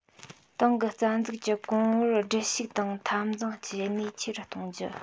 ཏང གི རྩ འཛུགས ཀྱི གོང བུར འགྲིལ ཤུགས དང འཐབ འཛིང བྱེད ནུས ཆེ རུ གཏོང རྒྱུ